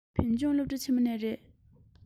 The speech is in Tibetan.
བོད ལྗོངས སློབ གྲྭ ཆེན མོ ནས རེད